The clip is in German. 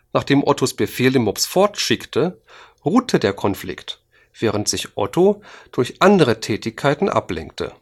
Nachdem Ottos Befehl den Mops fortschicke, ruhe der Konflikt, während sich Otto durch andere Tätigkeiten ablenke